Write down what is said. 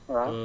waaw